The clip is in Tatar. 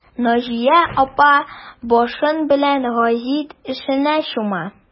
Наҗия апа башы белән гәзит эшенә чума.